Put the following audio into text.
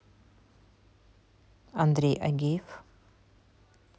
андрей агеев